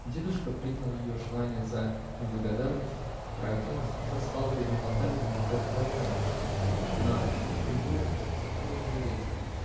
Дедушка принял ее желание за неблагодарность, прогневался и сослал бедную Наталью за наказание на скотный двор в степную деревню.